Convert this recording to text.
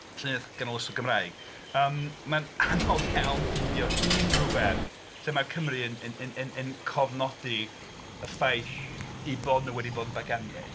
..llenyddiaeth ganoloesol Gymraeg yym mae'n anodd iawn ffeindio unrhyw beth lle mae'r Cymry yn... yn... yn cofnodi'r ffaith eu bod nhw wedi bod yn Baganiaid.